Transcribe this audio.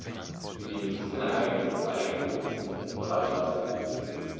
Wie die jüngsten Ereignisse zeigen, gibt es in diesem Bereich noch sehr viel zu tun.